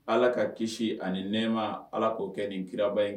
Ala ka kisi ani nɛma ala k'o kɛ nin kiraba ye